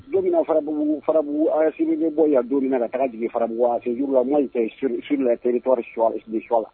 Don mina farabugu, farabugu, Asimi bɛ bɔ yan don min na ka ta jigin farabugu, à ce jour là, moi, jetait sur les territoires de Choila